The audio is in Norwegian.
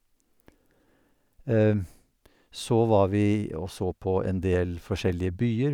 Så var vi og så på en del forskjellige byer.